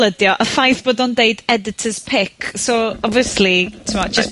...ydi o y ffaith bod o'n deud editor's pick so obviously, t'mod jyst